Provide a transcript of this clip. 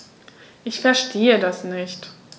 Ich verstehe das nicht.